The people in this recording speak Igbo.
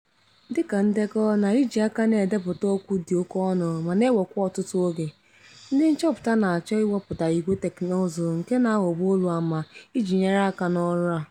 Dịka ndekọ na iji aka na-edepụta okwu dịoke ọnụ ma na-ewekwa ọtụtụ oge, ndị nchọpụta na- achọ iweputa ígwè teknụzụ nke na-ahụba olu ama iji nyere aka n'ọrụ a.